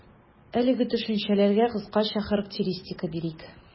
Әлеге төшенчәләргә кыскача характеристика бирик.